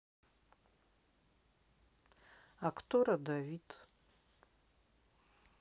а кто родовид